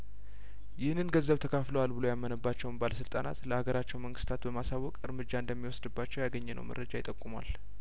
ይህንን ገንዘብ ተካፍለዋል ብሎ ያመነባቸውን ባለስልጣናት ለሀገራቸው መንግስታት በማሳወቅ እርምጃ እንደሚወስድባቸው ያገኘ ነው መረጃ ይጠቁማል